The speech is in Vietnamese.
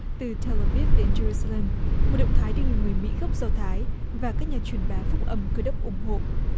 từ teo a víp đến giê ru xa lem một động thái được nhiều người mỹ gốc do thái và các nhà truyền bá phúc ẩm cơ đốc ủng hộ